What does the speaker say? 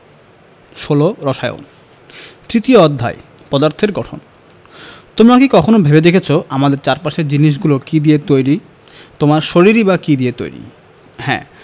১৬ রসায়ন তৃতীয় অধ্যায় পদার্থের গঠন তোমরা কি কখনো ভেবে দেখেছ আমাদের চারপাশের জিনিসগুলো কী দিয়ে তৈরি তোমার শরীরই বা কী দিয়ে তৈরি হ্যাঁ